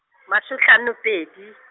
matsho hlano pedi.